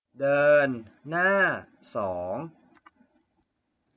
เดินหน้าสอง